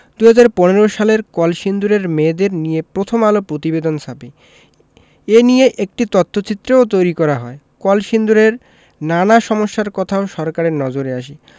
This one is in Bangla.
২০১৫ সালের কলসিন্দুরের মেয়েদের নিয়ে প্রথম আলো প্রতিবেদন ছাপে এ নিয়ে একটি তথ্যচিত্রও তৈরি করা হয় কলসিন্দুরের নানা সমস্যার কথাও সরকারের নজরে আসে